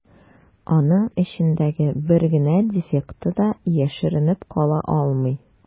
Аның эчендәге бер генә дефекты да яшеренеп кала алмый.